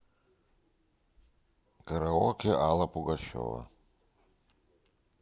караоке алла пугачева